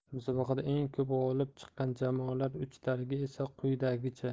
musobaqada eng ko'p g'olib chiqqan jamoalar uchtaligi esa quyidagicha